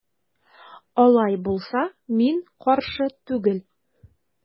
Алай булса мин каршы түгел.